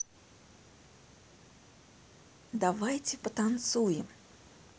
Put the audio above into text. давайте потанцуем